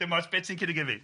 Dim ots be' ti'n cynnig i fi.